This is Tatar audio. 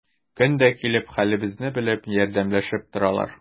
Көн дә килеп, хәлебезне белеп, ярдәмләшеп торалар.